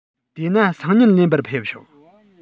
དེ ན སང ཉིན ལེན པར ཕེབས ཤོག